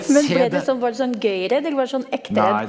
men ble du sånn var det sånn gøy redd, eller var det sånn ekte redd?